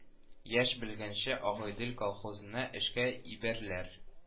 Яшь белгечне Агыйдел колхозына эшкә ибәрләр